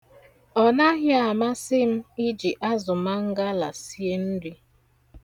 Ọnaghị amasị m iji azụ mangala sie nri.